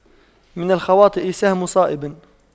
من الخواطئ سهم صائب